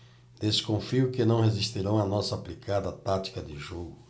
desconfio que não resistirão à nossa aplicada tática de jogo